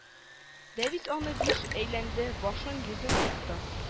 Дәвис аны биш әйләнде башын-йөзен тотты